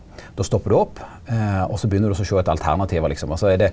då stoppar du opp også begynner du også sjå etter alternativ liksom også er det.